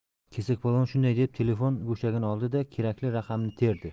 kesakpolvon shunday deb telefon go'shagini oldi da kerakli raqamini terdi